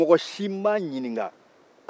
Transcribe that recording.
mɔgɔ si m'a ɲinika